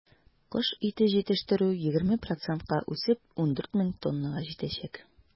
Кош ите җитештерү, 20 процентка үсеп, 14 мең тоннага җитәчәк.